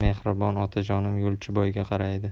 mehribon otajonim yo'lchiboyga qaraydi